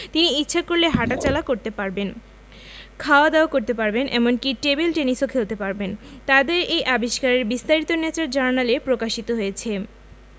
তিনি ইচ্ছা করলে হাটাচলা করতে পারবেন খাওয়া দাওয়া করতে পারবেন এমনকি টেবিল টেনিসও খেলতে পারবেন তাদের এই আবিষ্কারের বিস্তারিত ন্যাচার জার্নালে প্রকাশিত হয়েছে